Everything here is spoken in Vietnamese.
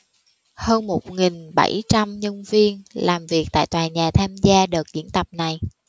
hơn một nghìn bảy trăm nhân viên làm việc tại tòa nhà tham gia đợt diễn tập này